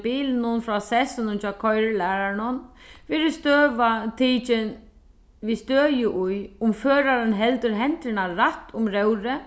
bilinum frá sessinum hjá koyrilæraranum verður støða tikin við støði í um førarin heldur hendurnar rætt um róðrið